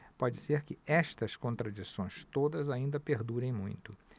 pode ser que estas contradições todas ainda perdurem muito